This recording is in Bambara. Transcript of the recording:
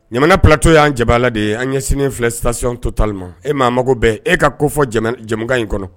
Ɲamana palatɔ y' ja de ye an ɲɛsin filɛsion to tali ma e maa mago bɛɛ e ka kofɔ jamana in kɔnɔ